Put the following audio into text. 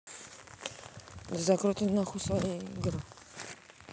да закрой нахуй все игры